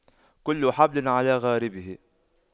كل حبل على غاربه